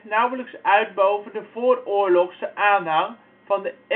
nauwelijks uit boven de voororlogse aanhang van de